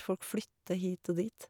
Folk flytter hit og dit.